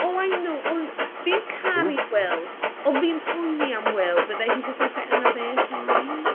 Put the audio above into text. O I know ond fi'n... ow ...caru Will ond fi'n poeni am Will but that's he's just not getting enough air time.